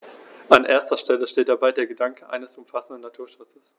An erster Stelle steht dabei der Gedanke eines umfassenden Naturschutzes.